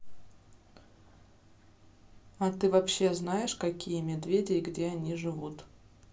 а ты вообще знаешь какие медведи и где они живут